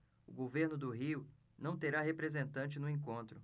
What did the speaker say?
o governo do rio não terá representante no encontro